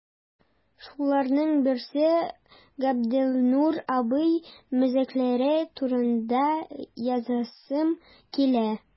Шуларның берсе – Габделнур абый мәзәкләре турында язасым килә.